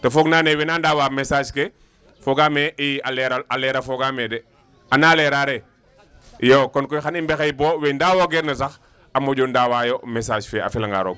te foog naa ne